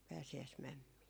pääsiäismämmiä